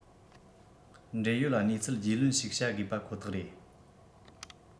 འབྲེལ ཡོད གནས ཚུལ རྒྱུས ལོན ཞིག བྱ དགོས པ ཁོ ཐག རེད